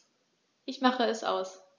Ich mache es aus.